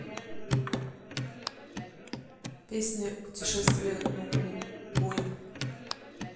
песня путешествие на луну ой